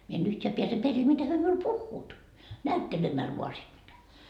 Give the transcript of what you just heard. minä en yhtään pääse perille mitä he minulle puhuvat näyttelemällä vain siinä mitä